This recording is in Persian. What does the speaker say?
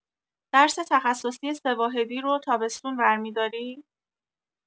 درس تخصصی ۳ واحدی رو تابستون ورمیداری؟